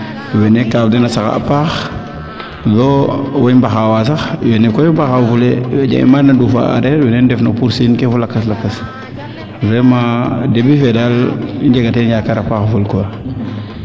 wene kaaf dena saxa a paax iyoo owey mbaxawa sax wene koy mbaxawa fulee a jega waana nduufa a areer wene ndef no pursiin ke fo lakas lakas vraiment debut fee daal i njenga te yakaara ful a paax quoi